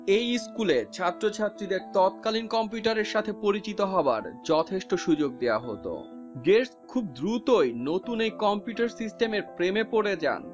এই স্কুলে ছাত্র-ছাত্রীদের তৎকালীন কম্পিউটারের সাথে পরিচিত হওয়ার যথেষ্ট সুযোগ দেয়া হতো গেটস খুব দ্রুতই নতুন এই কম্পিউটার সিস্টেমের প্রেমে পড়ে যান